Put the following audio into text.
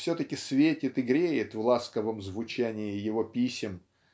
все-таки светит и греет в ласковом звучании его писем